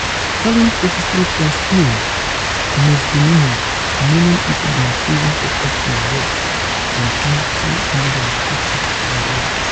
Palin faces three Class A misdemeanors, meaning he could be imprisoned for up to a year and fined $250,000.